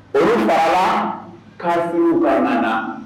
O taara'a furu banna na